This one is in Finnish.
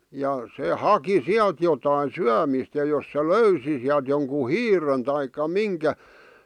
ja se haki sieltä jotakin syömistä ja jos se löysi sieltä jonkun hiiren tai minkä